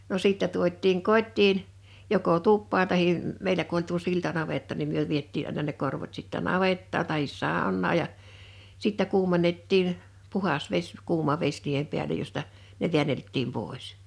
no sitten tuotiin kotiin joko tupaan tai meillä kun oli tuo siltanavetta niin me vietiin aina ne korvot sitten navettaan tai saunaan ja sitten kuumennettiin puhdas vesi kuuma vesi niiden päälle josta ne väänneltiin pois